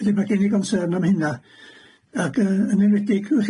Wedyn ma' gen i gonsern am hynna, ac yy yn enwedig w'